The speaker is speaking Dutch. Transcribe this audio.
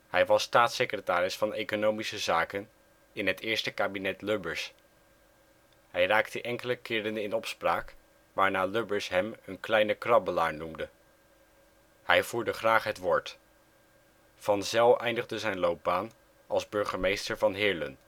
Hij was Staatssecretaris van Economische Zaken in het eerste kabinet-Lubbers. Hij raakte enkele keren in opspraak waarna Lubbers hem " een kleine krabbelaar " noemde. Hij voerde graag het woord. Van Zeil eindigde zijn loopbaan als burgemeester van Heerlen